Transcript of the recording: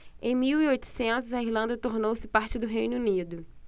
em mil e oitocentos a irlanda tornou-se parte do reino unido